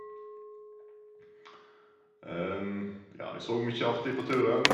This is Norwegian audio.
Ja, vi så mye artig på turen.